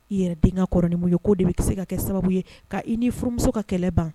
I yɛrɛ denkɛ kɔrɔin ye k'o de bɛ se ka kɛ sababu ye k' i ni furumuso ka kɛlɛ ban